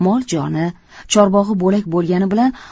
mol joni chorbog'i bo'lak bo'lgani bilan